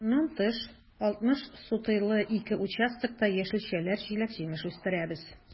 Моннан тыш, 60 сотыйлы ике участокта яшелчәләр, җиләк-җимеш үстерәбез.